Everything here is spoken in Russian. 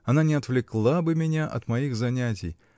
она не отвлекла бы меня от моих занятий